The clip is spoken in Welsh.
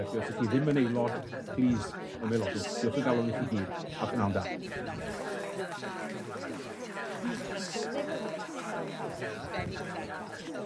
Felly os 'ych chi ddim yn aelod, plîs ymaelodwch, diolch o galon i chi gyd, a prynawn da.